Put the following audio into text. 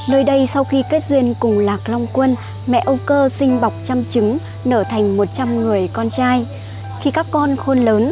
nơi đây sau khi kết duyên cùng lạc long quân mẹ âu cơ sinh bọc trăm trứng nở thành người con trai khi các con không lớn